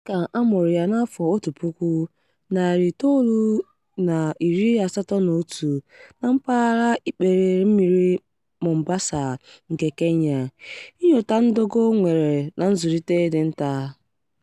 Dịka a mụrụ ya na 1981 na mpaghara Ikperemmirir Mombasa nke Kenya, Nyota Ndogo nwere na nzụlite dị nta.